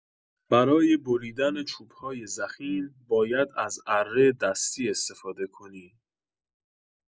برای بریدن چوب‌های ضخیم، باید از اره دستی استفاده کنی.